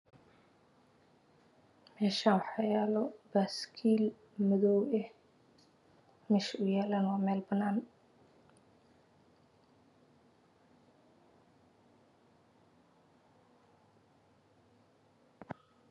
Meshaan waxaa yala baskiil madoow eh mesha woo yalana waa meel babaan